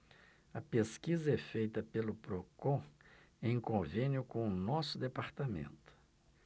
a pesquisa é feita pelo procon em convênio com o diese